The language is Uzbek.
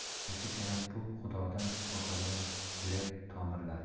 haqiqiy sharaf bu xudodan qo'rqadigan yurak tomirlari